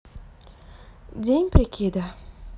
день прикида